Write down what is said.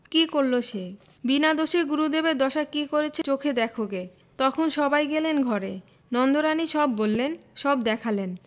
কি করল সে বিনা দোষে গুরুদেবের দশা কি করেছে চোখে দেখোগে তখন সবাই গেলেন ঘরে নন্দরানী সব বললেন সব দেখালেন